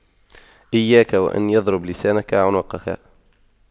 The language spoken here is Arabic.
إياك وأن يضرب لسانك عنقك